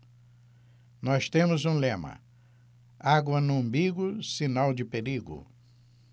nós temos um lema água no umbigo sinal de perigo